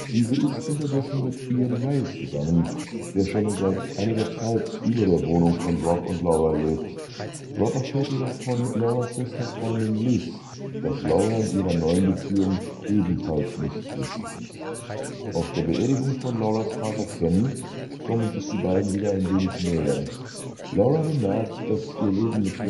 Diese ist unterdessen mit Ian Ray zusammen, der schon einige Zeit über der Wohnung von Rob und Laura lebte. Rob erfährt jedoch von Lauras bester Freundin Liz, dass Laura in ihrer neuen Beziehung ebenfalls nicht glücklich ist. Auf der Beerdigung von Lauras Vater Ken kommen sich die beiden wieder ein wenig näher. Laura bemerkt, dass ihr Leben